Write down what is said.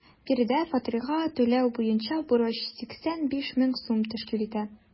Биредә фатирга түләү буенча бурыч 85 мең сум тәшкил итә.